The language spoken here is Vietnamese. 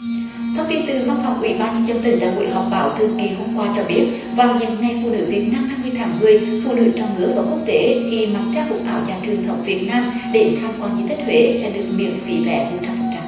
thông tin từ văn phòng ủy ban nhân dân tỉnh tại buổi họp báo thường kỳ hôm qua cho biết vào dịp ngày phụ nữ việt nam hai mươi tháng mười phụ nữ trong nước và quốc tế khi mặc trang phục áo dài truyền thống việt nam đến tham quan di tích huế sẽ được miễn phí vé một trăm phần trăm